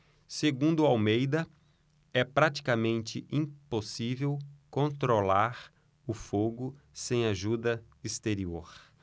segundo almeida é praticamente impossível controlar o fogo sem ajuda exterior